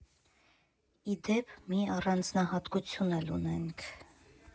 Ի դեպ, մի առանձնահատկություն էլ ունենք։